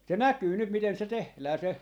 se näkyy nyt miten se tehdään se